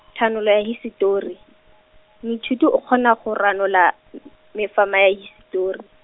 thanolo ya hisetori, moithuti o kgona go ranola, mefama ya hisetori.